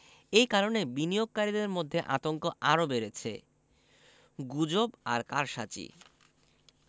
এ কারণে বিনিয়োগকারীদের মধ্যে আতঙ্ক আরও বেড়েছে গুজব আর কারসাজি